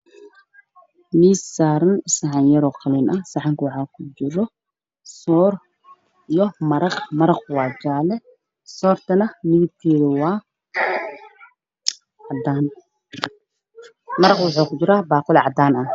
Waa saxan buluug waxaa ku jira buskud buluug ah waxaa ku dhex jira weel suuga ay ku jirto